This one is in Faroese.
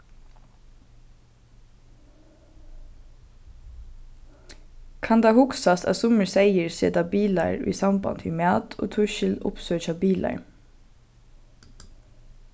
kann tað hugsast at summir seyðir seta bilar í samband við mat og tískil uppsøkja bilar